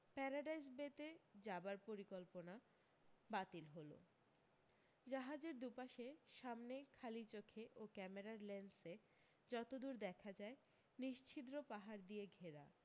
paradise বেতে যাবার পরিকল্পনা বাতিল হল জাহাজের দুপাশে সামনে খালি চোখে ও ক্যামেরার লেন্সে যত দূর দেখা যায় নিশিছদ্র পাহাড় দিয়ে ঘেরা